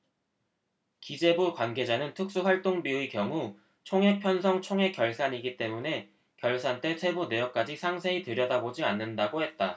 기재부 관계자는 특수활동비의 경우 총액 편성 총액 결산이기 때문에 결산 때 세부 내역까지 상세히 들여다보지 않는다고 했다